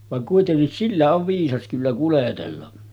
vaan kuitenkin sillä on viisas kyllä kuljetella